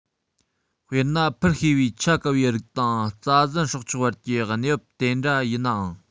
དཔེར ན འཕུར ཤེས པའི ཆ ག པའི རིགས དང རྩྭ ཟན སྲོག ཆགས བར གྱི གནས བབ དེ འདྲ ཡིན ནའང